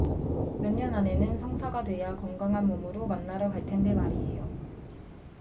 몇 년 안에는 성사가 돼야 건강한 몸으로 만나러 갈 텐데 말이에요